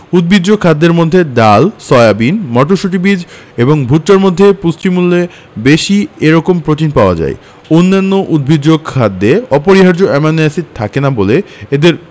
উদ্ভিজ্জ খাদ্যের মধ্যে ডাল সয়াবিন মটরশুটি বীজ এবং ভুট্টার মধ্যে পুষ্টিমূল্য বেশি এরকম প্রোটিন পাওয়া যায় অন্যান্য উদ্ভিজ্জ খাদ্যে অপরিহার্য অ্যামাইনো এসিড থাকে না বলে এদের